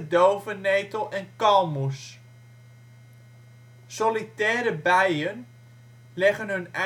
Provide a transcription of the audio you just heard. dovenetel en kalmoes. Solitaire bijen leggen